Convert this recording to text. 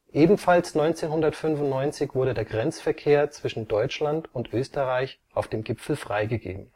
Ebenfalls 1995 wurde der Grenzverkehr zwischen Deutschland und Österreich auf dem Gipfel freigegeben